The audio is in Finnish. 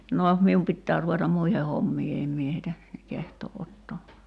no minun pitää ruveta muihin hommiin en minä heitä kehtaa ottaa